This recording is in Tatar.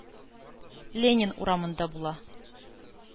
Ленин урамында була.